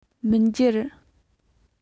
མི འགྱུར